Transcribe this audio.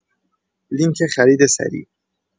لینک خرید سریع